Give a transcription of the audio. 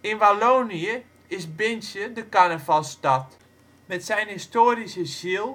In Wallonië is Binche de carnavalsstad, met zijn historische Gilles